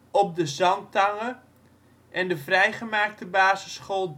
Op de Zandtange en de vrijgemaakte basisschool